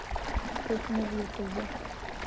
кухня в ютубе